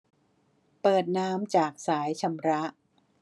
เปิดน้ำจากสายชำระ